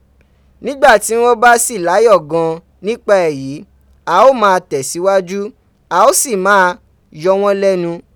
Nígbà tí wọ́n bá sì láyọ̀ gan an nípa èyí, a óò máa tẹ̀ síwájú, a ó sì máa yọ wọ́n lẹ́nu.